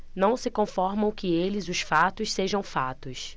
não se conformam que eles os fatos sejam fatos